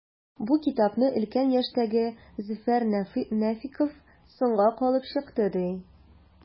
Бу китапны өлкән яшьтәге Зөфәр Нәфыйков “соңга калып” чыкты, ди.